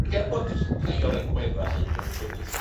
Ac er bod rhai o'r egwedda hyn yn fy nghys-